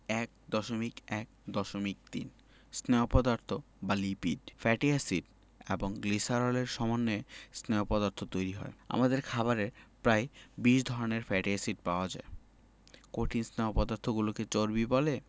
১.১.৩ স্নেহ পদার্থ বা লিপিড ফ্যাটি এসিড এবং গ্লিসারলের সমন্বয়ে স্নেহ পদার্থ তৈরি হয় আমাদের খাবারে প্রায় ২০ ধরনের ফ্যাটি এসিড পাওয়া যায় কঠিন স্নেহ পদার্থগুলোকে চর্বি বলে